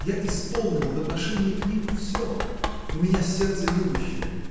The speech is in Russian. – я исполнил в отношении к ним все. У меня сердце любящее